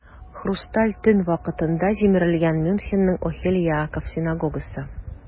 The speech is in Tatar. "хрусталь төн" вакытында җимерелгән мюнхенның "охель яаков" синагогасы.